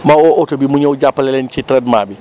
ma woo oto bi mu ñëw jàppale leen ci traitement bi